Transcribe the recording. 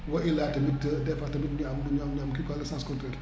wa illaa tamit des fois tamit ñu am ñu am kii quoi le sens :fa contraire